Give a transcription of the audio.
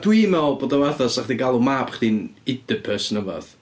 Dwi'n meddwl bod o fatha 'sa chdi'n galw mab chdi'n Oedipus neu wbeth.